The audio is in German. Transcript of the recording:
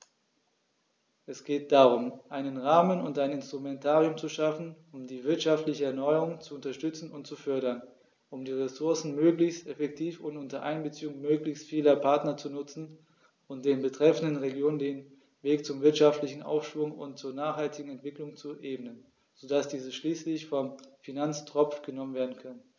Es geht darum, einen Rahmen und ein Instrumentarium zu schaffen, um die wirtschaftliche Erneuerung zu unterstützen und zu fördern, um die Ressourcen möglichst effektiv und unter Einbeziehung möglichst vieler Partner zu nutzen und den betreffenden Regionen den Weg zum wirtschaftlichen Aufschwung und zur nachhaltigen Entwicklung zu ebnen, so dass diese schließlich vom Finanztropf genommen werden können.